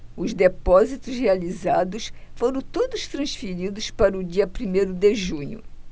os depósitos realizados foram todos transferidos para o dia primeiro de junho